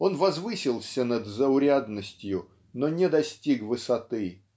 он возвысился над заурядностью но не достиг высоты